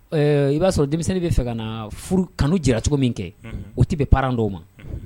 Ɛɛ, I b'a sɔrɔ denmisɛn bɛ fɛ ka na furu , kanu jira cogo min kɛ , o tɛ bɛn parents dɔw ma.